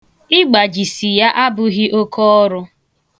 Ịgbajisi ya abụghị oke ọrụ.